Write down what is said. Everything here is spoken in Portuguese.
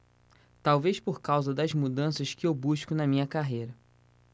talvez por causa das mudanças que eu busco na minha carreira